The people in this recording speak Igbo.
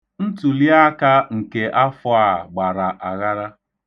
Ntụliaka nke afọ a gbara aghara.